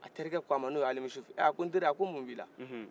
a terik'o ma n'o ye alimusufu ah a ko n teri a k'o mun b'ila